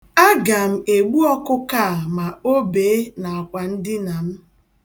Aga m egbu ọkụkọ a ma o bee n'elu akwa ndina m.